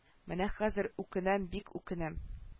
Менә хәзер үкенәм бик үкенәм